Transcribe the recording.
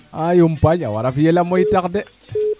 a yumpaña wara fiyel a moytax de